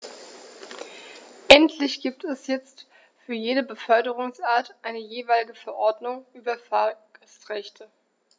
Endlich gibt es jetzt für jede Beförderungsart eine jeweilige Verordnung über Fahrgastrechte.